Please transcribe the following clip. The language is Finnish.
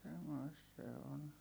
semmoista se on